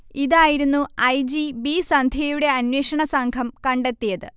ഇതായിരുന്നു I. G. B സന്ധ്യയുടെ അന്വേഷണസംഘം കണ്ടത്തിയത്